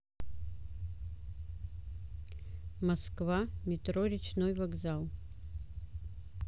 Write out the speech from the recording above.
москва метро речной вокзал